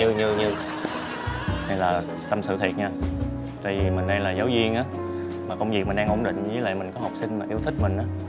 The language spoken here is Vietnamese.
như như như hay là tâm sự thiệt nha tại vì mình đang là giáo viên á mà công việc mình đang ổn định với lại mình có học sinh mà yêu thích mình á